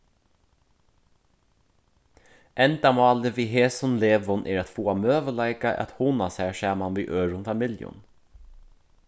endamálið við hesum legum er at fáa møguleika at hugna sær saman við øðrum familjum